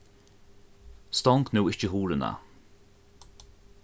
stong nú ikki hurðina